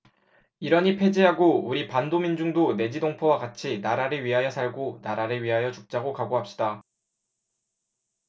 일언이폐지하고 우리 반도 민중도 내지 동포와 같이 나라를 위하여 살고 나라를 위하여 죽자고 각오합시다